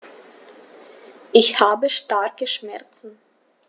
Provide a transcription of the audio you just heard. Ich habe starke Schmerzen.